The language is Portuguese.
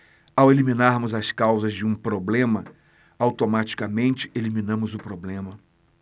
ao eliminarmos as causas de um problema automaticamente eliminamos o problema